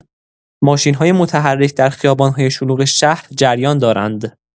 ماشین‌های متحرک در خیابان‌های شلوغ شهر جریان دارند.